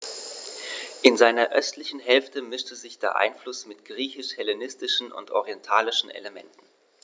In seiner östlichen Hälfte mischte sich dieser Einfluss mit griechisch-hellenistischen und orientalischen Elementen.